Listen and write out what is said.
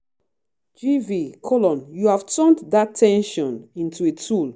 GV: You've turned that tension into a tool.